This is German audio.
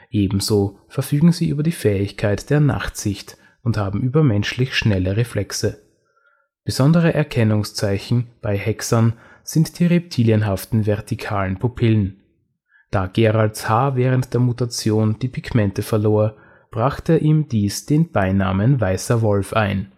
ebenso verfügen sie über die Fähigkeit der Nachtsicht und haben übermenschlich schnelle Reflexe. Besondere Erkennungszeichen bei Hexern sind die reptilienhaften vertikalen Pupillen. Da Geralts Haar während der Mutation die Pigmente verlor, brachte ihm dies den Beinamen „ Weißer Wolf “ein